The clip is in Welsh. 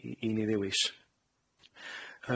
i i ni ddewis.